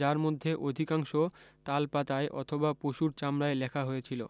যার মধ্যে অধিকাংশ তাল পাতায় অথবা পশুর চামড়ায় লেখা হয়েছিলো